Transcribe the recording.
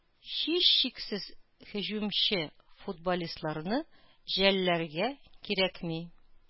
Һичшиксез һөҗүмче футболистларны жәллэүгә кирәкми.